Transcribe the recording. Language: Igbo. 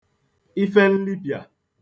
ifenlipịà